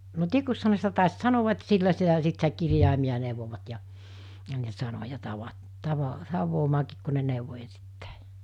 no tikuksihan ne sitä taisi sanoa että sillä sitä sitten sitä kirjaimia neuvoivat ja ja ne sanoja -- tavaamaankin kun ne neuvoi ensittäin